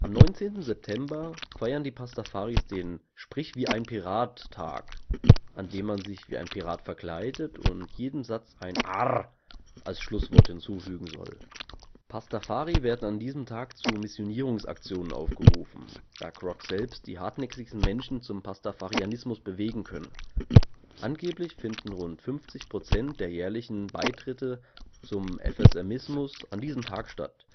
19. September feiern die Pastafaris den „ Sprich-wie-ein-Pirat-Tag “, an dem man sich wie ein Pirat verkleiden und jedem Satz ein „ Arrr “als Schlusswort hinzufügen soll. Pastafari werden an diesem Tag zu Missionierungsaktionen aufgerufen, da Grog selbst die hartnäckigsten Menschen zum Pastafarianismus bewegen könne. Angeblich finden rund 50 % der jährlichen Beitritte zum FSMismus an diesem Tag statt